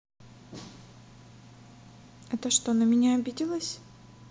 это что на меня обиделась